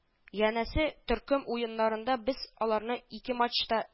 Янәсе, төркем уеннарында без аларны ике матчта